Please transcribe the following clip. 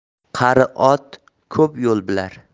qari ot ko'p yo'l bilar